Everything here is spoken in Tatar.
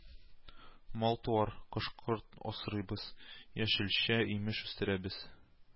Мал туар, кош-корт асрыйбыз, яшелчә- имеш үстерәбез